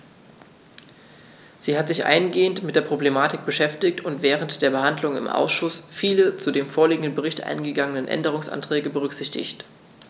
Sie hat sich eingehend mit der Problematik beschäftigt und während der Behandlung im Ausschuss viele zu dem vorliegenden Bericht eingegangene Änderungsanträge berücksichtigt.